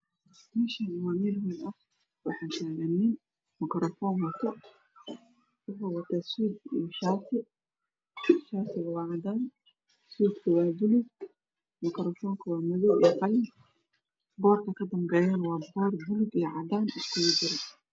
Mashan wax tagan nin dharka kalara waa cadan iyo baluug waxow gacant kuhayan makarofa